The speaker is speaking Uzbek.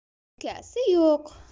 ukasi yo'q